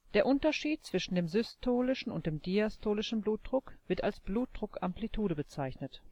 Der Unterschied zwischen dem systolischen und dem diastolischen Blutdruck wird als Blutdruckamplitude bezeichnet